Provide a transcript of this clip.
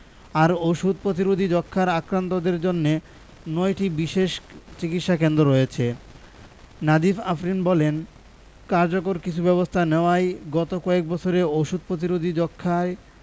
আর ওষুধ প্রতিরোধী যক্ষ্মাযর আক্রান্তদের জন্য ৯টি বিশেষ চিকিৎসাকেন্দ্র রয়েছে নাজিস আফরিন বলেন কার্যকর কিছু ব্যবস্থা নেয়ায় গত কয়েক বছরে ওষুধ প্রতিরোধী যক্ষ্মায়